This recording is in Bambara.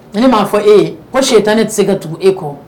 Ne ne m'a fɔ e ko si tan ne tɛ se ka tugu e kɔ